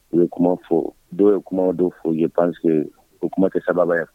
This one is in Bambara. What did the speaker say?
U ye kuma fɔ dɔw ye kuma dɔw fɔ ye panse o kuma kɛ saba yan